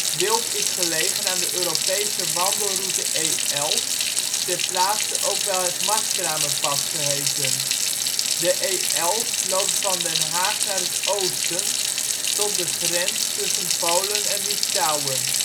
Wilp is gelegen aan de Europese wandelroute E11, ter plaatse ook wel het Marskramerpad geheten. De E11 loopt van Den Haag naar het oosten, tot de grens tussen Polen en Litouwen